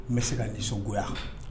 N bɛ se ka nisɔn nisɔngo